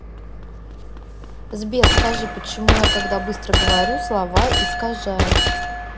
сбер скажи почему я когда быстро говорю слова искажать